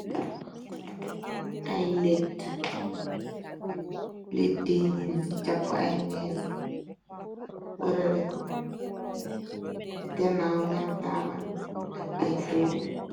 Ay leti ni ci chàpp ay mees wërala ka ci ganaaw nam taabal ak ay toor.